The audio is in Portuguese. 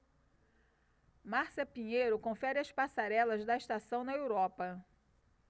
márcia pinheiro confere as passarelas da estação na europa